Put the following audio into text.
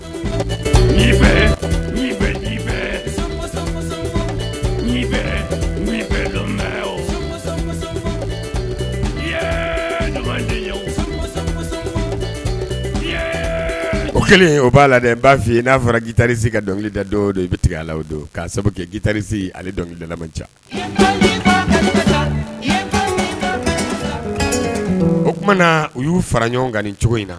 O kɛlen o b'a la dɛ b'a fɔ ye n'a fɔraitarisi ka dɔnkili da dɔ don i bɛ tigɛ ala don'a sabu kɛtarisi dɔnkilida ca o tumana u y'u fara ɲɔgɔn kan nin cogo in na